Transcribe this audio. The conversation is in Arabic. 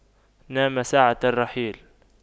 نام ساعة الرحيل